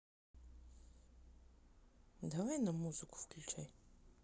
давай нам музыку включай